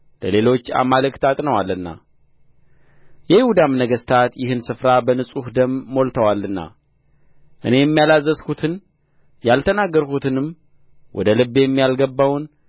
ለሌሎች አማልክት ዐጥነዋልና የይሁዳም ነገሥታት ይህን ስፍራ በንጹህ ደም ሞልተዋልና እኔም ያላዘዝሁትን ያልተናገርሁትንም ወደ ልቤም ያልገባውን